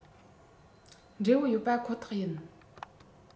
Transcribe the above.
འབྲས བུ ཡོད པ ཁོ ཐག ཡིན